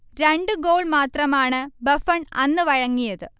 രണ്ട് ഗോൾ മാത്രമാണ് ബഫൺ അന്ന് വഴങ്ങിയത്